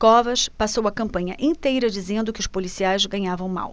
covas passou a campanha inteira dizendo que os policiais ganhavam mal